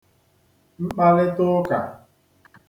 mkpalịtaụkà